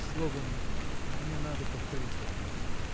словом – мне надо повторить вопрос.